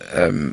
yym